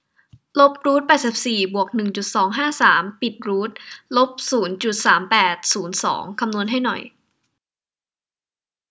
ลบรูทแปดสิบสี่บวกหนึ่งจุดสองห้าสามปิดรูทลบศูนย์จุดสามแปดศูนย์สองคำนวณให้หน่อย